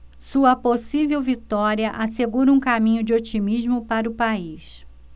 sua possível vitória assegura um caminho de otimismo para o país